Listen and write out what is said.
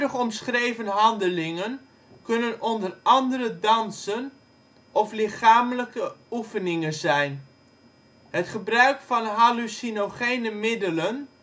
omschreven handelingen kunnen onder andere dansen of lichamelijke oefeningen zijn. Het gebruik van hallucinogene middelen